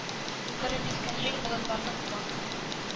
Үкереп искән җил болытларны куа